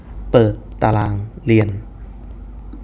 เปิดตารางเรียน